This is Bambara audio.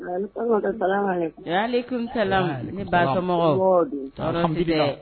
Jeli ba